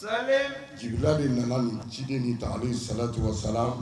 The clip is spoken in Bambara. Djibirila de nana nin ciden nin ta alayhi sɔlaatu wa salaam